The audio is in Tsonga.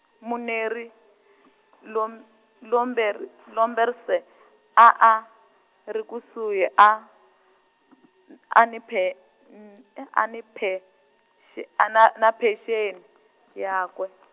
Muneri Lom- Lomber- Lomberse a a, ri kusuhi a n-, ani phe n- he ani phexe-, a na, na phenxeni , yakwe.